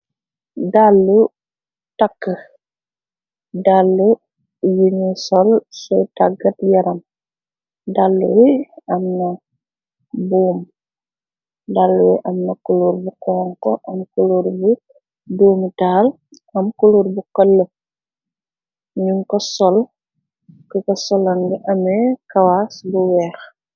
Dàllu takkë , dallë yiñu sol si tàggat yaram, dallë wi am na kuluur bu xoñxu am kuluur bi doomi taal, am kuluur bu xëllë, ñung ko sol, ki ko solon a ngi amee kawas bu weex.